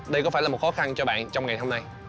đây có phải là một khó khăn cho bạn trong ngày hôm nay